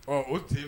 Ɔ o tɛ